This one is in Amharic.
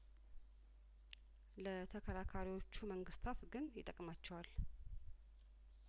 ለተከራካሪዎቹ መንግስታት ግን ይጠቅማቸዋል